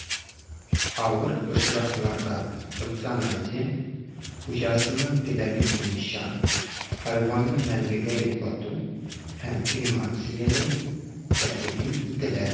Авыр очракларда эвтаназия (хуҗасының теләге буенча хайванны мәңгегә йоклату һәм кремацияләү) тәкъдим ителә.